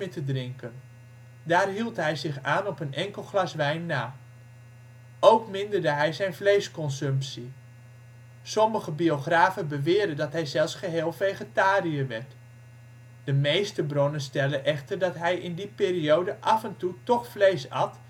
te drinken. Daar hield hij zich aan, op een enkel glas wijn na. Ook minderde hij zijn vleesconsumptie. Sommige biografen beweren dat hij zelfs geheel vegetariër werd. De meeste bronnen stellen echter dat hij in die periode af en toe toch vlees at